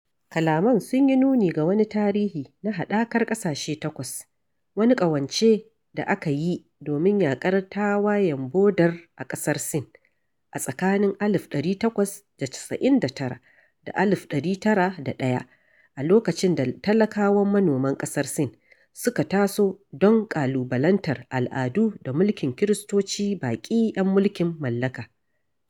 Kalaman sun yi nuni ga wani tarihi na Haɗakar ƙasashe Takwas, wani ƙawance da aka yi domin yaƙar Tawayen Boɗer a ƙasar Sin, a tsakanin 1899 da 1901, a lokacin da talakawan manoman ƙasar Sin suka taso don ƙalubalantar al'adu da mulkin Kiristoci baƙi 'yan mulkin mallaka.